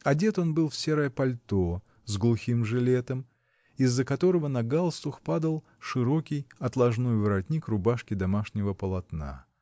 Одет он был в серое пальто, с глухим жилетом, из-за которого на галстух падал широкий отложной воротник рубашки домашнего полотна.